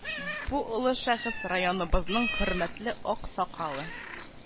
Бу олы шәхес районыбызның хөрмәтле ак сакалы